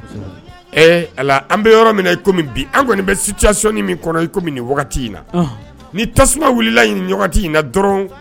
An yɔrɔ min an kɔni bɛ sini min kɔnɔ i nin in ni tasuma wulila ni in na dɔrɔn